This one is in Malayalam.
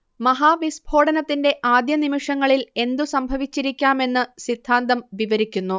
മഹാവിസ്ഫോടനത്തിന്റെ ആദ്യനിമിഷങ്ങളിൽ എന്തു സംഭവിച്ചിരിയ്ക്കാമെന്നു സിദ്ധാന്തം വിവരിയ്ക്കുന്നു